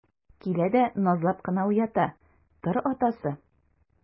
Килә дә назлап кына уята: - Тор, атасы!